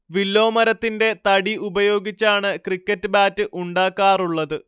വില്ലോമരത്തിന്റെ തടി ഉപയോഗിച്ചാണ് cricket bat ഉണ്ടാക്കാറുള്ളത്